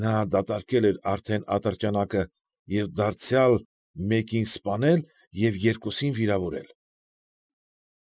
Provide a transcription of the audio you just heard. Նա դատարկել էր արդեն ատրճանակը և դարձյալ մեկին սպանել և երկուսին վիրավորել։